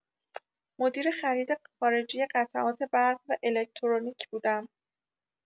مدیر خرید خارجی قطعات برق و الکترونیک بودم.